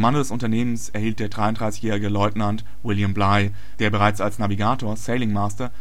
des Unternehmens erhielt der 33-jährige Leutnant William Bligh, der bereits als Navigator (Sailing Master